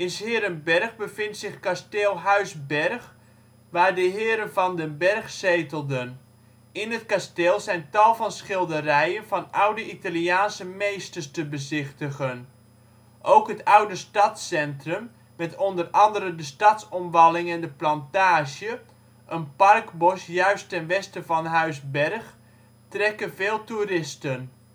s-Heerenberg bevindt zich kasteel Huis Bergh, waar de heren van den Bergh zetelden. In het kasteel zijn tal van schilderijen van oude Italiaanse meesters te bezichtigen. Ook het oude stadscentrum met onder andere de stadsomwalling en de Plantage, een parkbos juist ten westen van Huis Bergh, trekken veel toeristen